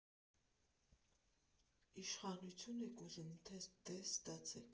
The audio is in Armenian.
Իշխանություն եք ուզում, դե՛ ստացեք։